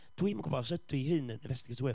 Dwi ddim yn gwybod os ydy hyn yn investigative work.